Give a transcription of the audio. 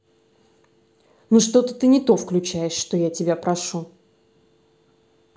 ну что то ты не то включаешь что я тебя прошу